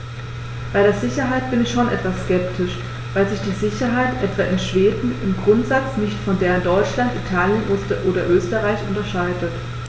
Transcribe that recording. Bei der Sicherheit bin ich schon etwas skeptisch, weil sich die Sicherheit etwa in Schweden im Grundsatz nicht von der in Deutschland, Italien oder Österreich unterscheidet.